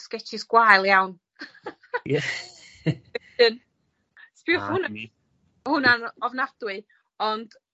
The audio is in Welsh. sgetsys gwael iawn. Sbiwch hwn. Hwnna'n ofnadwy ond